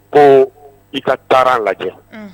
Ko i ka taara lajɛ